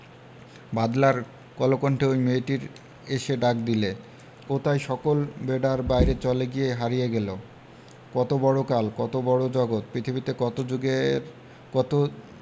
বাদলার কলকণ্ঠে ঐ মেয়েটির এসে ডাক দিলে ও তাই সকল বেড়ার বাইরে চলে গিয়ে হারিয়ে গেল কত বড় কাল কত বড় জগত পৃথিবীতে কত জুগের কত